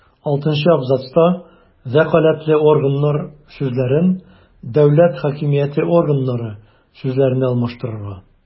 Алтынчы абзацта «вәкаләтле органнар» сүзләрен «дәүләт хакимияте органнары» сүзләренә алмаштырырга;